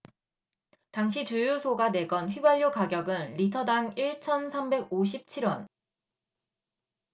당시 주유소가 내건 휘발유 가격은 리터당 일 천 삼백 오십 칠 원